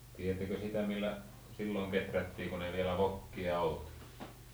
tiedättekö sitä millä silloin kehrättiin kun ei vielä vokkia ollut